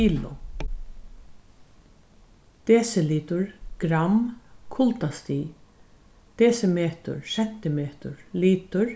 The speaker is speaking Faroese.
kilo desilitur gramm kuldastig desimetur sentimetur litur